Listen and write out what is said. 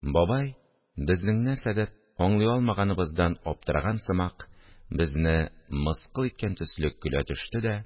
Бабай, безнең нәрсәдер аңлый алмаганыбыздан аптыраган сымак, безне мыскыл иткән төсле көлә төште дә: